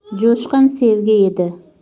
jo'shqin sevgi edi